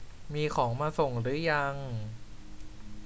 มีของมาส่งรึยัง